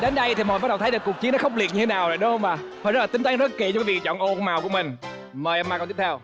đến đây thì mọi bắt đầu thấy được cuộc chiến khốc liệt như thế nào rồi đúng không ạ họ rất là tính tay rất kĩ thưa quý vị chọn ô màu của mình mời em đọc câu tiếp theo